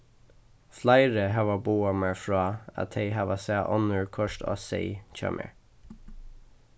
fleiri hava boðað mær frá at tey hava sæð onnur koyrt á seyð hjá mær